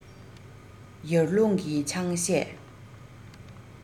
ཡར ཀླུང གིས ཆང གཞས